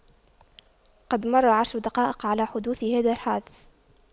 قد مر عشر دقائق على حدوث هذا الحادث